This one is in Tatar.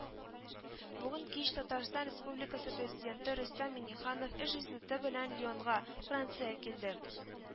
Бүген кич Татарстан Республикасы Президенты Рөстәм Миңнеханов эш визиты белән Лионга Франция килде